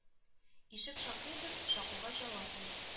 Ишек шакыйбыз, шакуга җавап юк